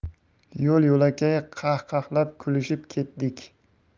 yo'l yo'lakay qahqahlab kulishib ketdik